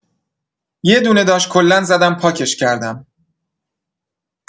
یدونه داشت کلا زدم پاکش کردم